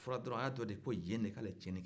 o fɔra dɔrɔn a y'a don ko yen de k'ale tiɲɛni kɛ